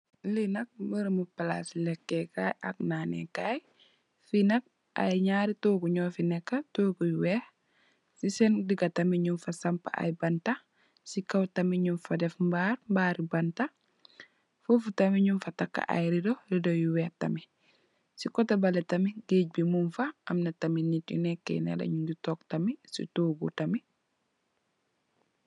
Lii nak mbirum plaasi lehkeh kaii ak naaneh kaii, fii nak aiiy njaari tohgu njur fii neka, tohgu yu wekh, cii sehn digah tamit njung fa sampah aiiy bantah, cii kaw tamit njung fa deff mbaarre, mbaari bantah, fofu tamit njung fa takah aiiy ridoh, ridoh yu wekh tamit, cii coteh behleh tamit geudggh bii mung fa, amna tamit nitt yu nehkeh nehleh njungy tok tamit cii tohgu tamit.